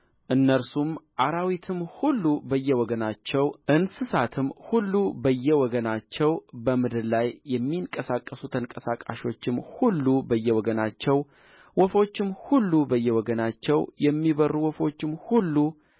እነርሱ አራዊትም ሁሉ በየወገናቸው እንስሳትም ሁሉ በየወገናቸው በምድር ላይ የሚንቀሳቀሱ ተንቀሳቃሾችም ሁሉ በየወገናቸው ወፎችም ሁሉ በየወገናቸው የሚበሩ ወፎችም ሁሉ